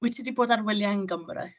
Wyt ti 'di bod ar wyliau yn Gymru?